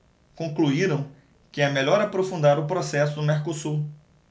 concluíram que é melhor aprofundar o processo do mercosul